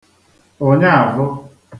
ụ̀nyaàvụ